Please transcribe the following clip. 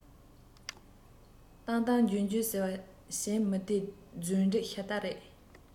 བཏང བཏང འཇོན འཇོན ཟེར བ བྱིངས མི བདེན རྫུན སྒྲིག ཤ སྟག ཡིན